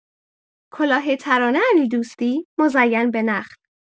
کلاه ترانه علیدوستی مزین به نخل